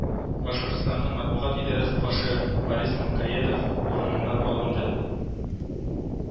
Башкортстанның матбугат идарәсе башы Борис Мелкоедов урыныннан алынды